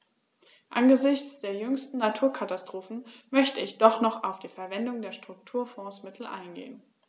Angesichts der jüngsten Naturkatastrophen möchte ich doch noch auf die Verwendung der Strukturfondsmittel eingehen.